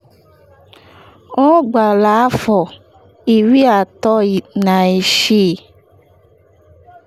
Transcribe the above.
Ọ gbaala afọ 36.